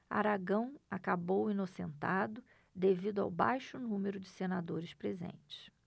aragão acabou inocentado devido ao baixo número de senadores presentes